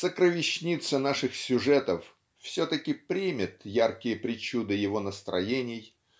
Сокровищница наших сюжетов все-таки примет яркие причуды его настроений